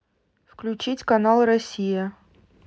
включить канал россия